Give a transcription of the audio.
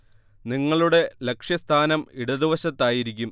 നിങ്ങളുടെ ലക്ഷ്യസ്ഥാനം ഇടതുവശത്തായിരിക്കും